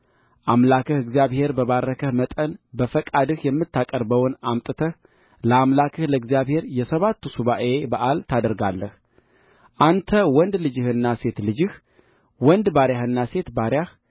አምላክህ እግዚአብሔር በባረከህ መጠን በፈቃድህ የምታቀርበውን አምጥተህ ለአምላክህ ለእግዚአብሔር የሰባቱ ሱባዔ በዓል ታደርጋለህ አንተ ወንድ ልጅህና ሴት ልጅህ ወንድ ባሪያህና ሴት ባሪያህ